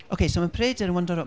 Okay so ma' Peredur yn wyndyro...